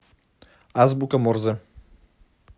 азбука морзе